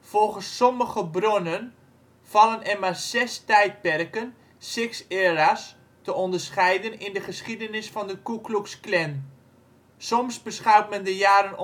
Volgens sommige bronnen vallen er maar Zes Tijdperken (Six Eras) te onderscheiden in de geschiedenis van de Ku Klux Klan. Soms beschouwt men de jaren